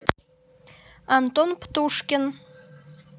антон птушкин